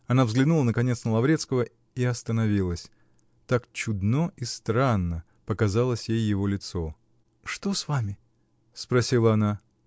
Она взглянула, наконец, на Лаврецкого, и остановилась: так чудно и странно показалось ей его лицо. -- Что с вами? -- спросила она.